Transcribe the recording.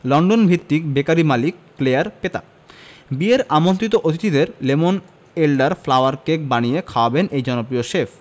লন্ডনভিত্তিক বেকারি মালিক Claire Ptak বিয়ের আমন্ত্রিত অতিথিদের লেমন এলডার ফ্লাওয়ার কেক বানিয়ে খাওয়াবেন এই জনপ্রিয় শেফ